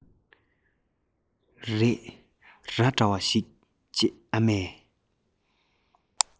རེད ར འདྲ བ ཞིག ཅེས ཨ མས